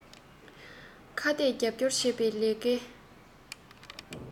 ཞིང ཆེན བཞིའི བོད རིགས ས ཁུལ ལ